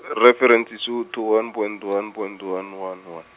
reference e Sotho one point one point one one one.